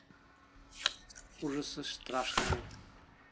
ужасы страшные